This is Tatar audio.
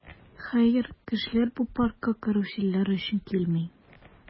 Хәер, кешеләр бу паркка карусельләр өчен килми.